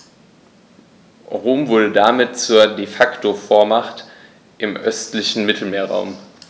Rom wurde damit zur ‚De-Facto-Vormacht‘ im östlichen Mittelmeerraum.